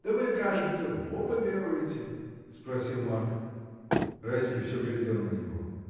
— Да вы, кажется, в Бога веруете? — спросил Марк. Райский всё глядел на него.